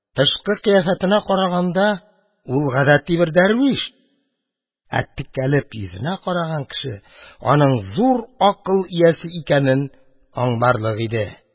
Тышкы кыяфәтенә караганда, ул гади бер дәрвиш, ә текәлеп йөзенә караган кеше аның зур акыл иясе икәнен аңларлык иде.